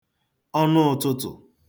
ọnụ ụ̄tụ̄tụ̀